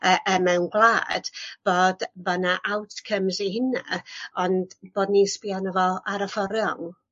yy yy mewn gwlad bod bo' 'na outcomes i hynna ond bod ni sbio a'no fo ar y ffor rong.